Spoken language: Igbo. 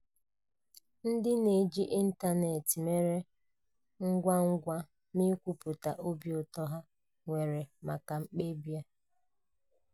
Ndị na-eji ịntaneetị mere ngwangwa n'ikwupụta obi ụtọ ha nwere maka mkpebi a.